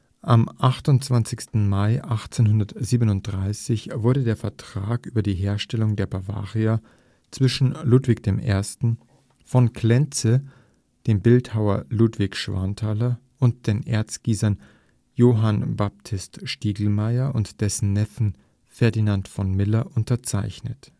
Am 28. Mai 1837 wurde der Vertrag über die Herstellung der Bavaria zwischen Ludwig I., v. Klenze, dem Bildhauer Ludwig Schwanthaler und den Erzgießern Johann Baptist Stiglmaier und dessen Neffen Ferdinand von Miller unterzeichnet